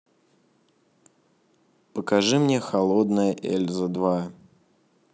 покажи мне холодная эльза два